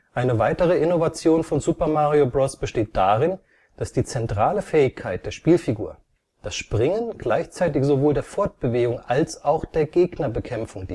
Eine weitere Innovationen von Super Mario Bros. besteht darin, dass die zentrale Fähigkeit der Spielfigur, das Springen, gleichzeitig sowohl der Fortbewegung als auch der Gegnerbekämpfung